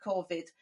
Cofid